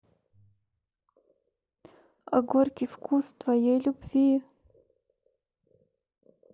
а горький вкус твоей любви